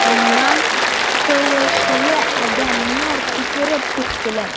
Аннан кылычлы адәмнәр сикереп төштеләр.